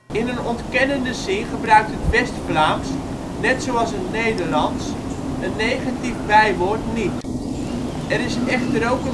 In een ontkennende zin gebruikt het West-Vlaams, net zoals het Nederlands, een negatief bijwoord " niet ". Er is echter ook